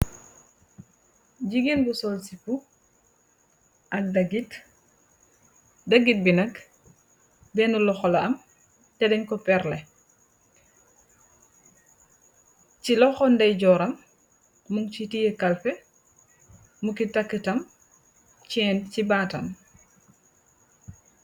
Jigéen bu sol sipu ak daggit daggit bi nag benn loxolo am te deñ ko perle ci loxondey jooram mun ci tiye kalfe muki takkitam ceen ci baatam.